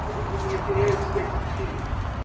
они для него теряют всякий интерес.